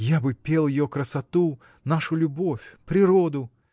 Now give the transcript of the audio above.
Я бы пел ее красоту, нашу любовь, природу